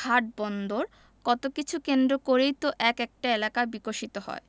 ঘাটবন্দর কত কিছু কেন্দ্র করেই তো এক একটা এলাকা বিকশিত হয়